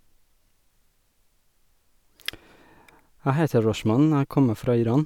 Jeg heter Rozhman, jeg kommer fra Iran.